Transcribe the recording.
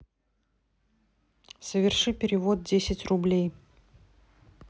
соверши перевод десять рублей